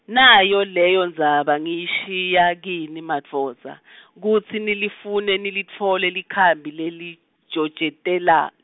nayo leyo Ndzaba ngiyishiya kini madvodza , kutsi nilifune nilitfole likhambi lelijojotela-.